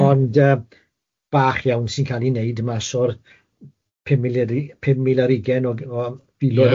Ond yy bach iawn sy'n cael ei wneud mas o'r pum mil ar u- pum mil ar ugain o o filoedd... Ia.